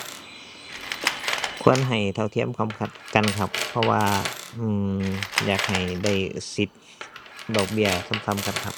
ควรให้เท่าเทียมพร้อมครับ กันครับ เพราะว่า อืม อยากให้ได้สิทธิ์ ดอกเบี้ย ส่ำส่ำกันครับ